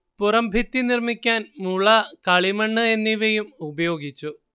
പുറം ഭിത്തി നിർമ്മിക്കാൻ മുള കളിമണ്ണ് എന്നിവയും ഉപയോഗിച്ചു